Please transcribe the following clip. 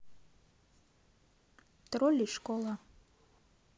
тролли школа